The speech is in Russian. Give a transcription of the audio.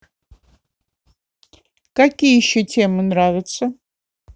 какие еще темы нравятся